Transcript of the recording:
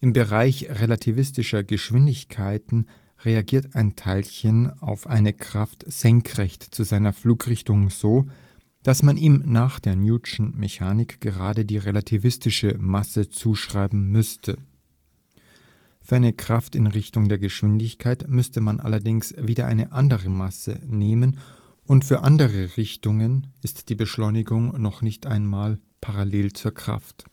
Bereich relativistischer Geschwindigkeiten reagiert ein Teilchen auf eine Kraft senkrecht zu seiner Flugrichtung so, dass man ihm nach der Newtonschen Mechanik gerade die relativistische Masse zuschreiben müsste. Für eine Kraft in Richtung der Geschwindigkeit müsste man allerdings wieder eine andere Masse nehmen, und für andere Richtungen ist die Beschleunigung noch nicht einmal parallel zur Kraft